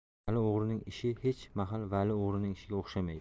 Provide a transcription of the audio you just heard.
ali o'g'rining ishi hech mahal vali o'g'rining ishiga o'xshamaydi